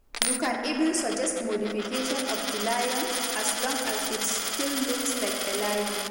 You can even suggest modification of the lion – as long as it still looks like a lion.